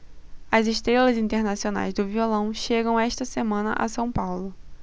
as estrelas internacionais do violão chegam esta semana a são paulo